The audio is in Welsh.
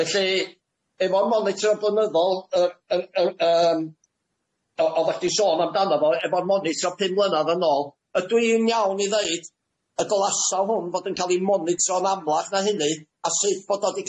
felly efo'r monitro blynyddol y- y- y- y- yym o- oddach chdi'n sôn amdano fo efo'r monitro pum mlynadd yn ôl ydw i'n iawn i ddeud y dylasaw hwn fod yn ca'l i monitro'n amlach na hynny a sydd bod o di